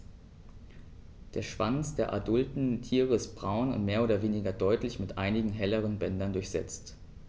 Der Schwanz der adulten Tiere ist braun und mehr oder weniger deutlich mit einigen helleren Bändern durchsetzt.